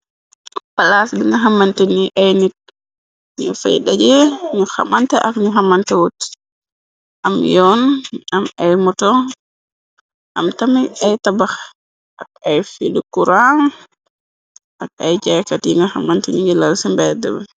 Palaas bi nga xamante ni ay nit ñu fay daje ñu xamante ak ñu xamante wut am yoon am ay moto am tamañ ay tabax ak ay fiilu kuran ak ay jaykat yi nga xamante ñu ngi lal ci mbedabi.